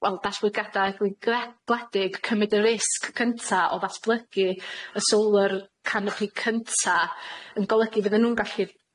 wel datblygiadau egni gre- gwledig, cymyd y risg cynta o ddatblygu y solar canopi cynta yn golygu fydden nw'n gallu